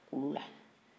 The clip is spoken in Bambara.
kulu la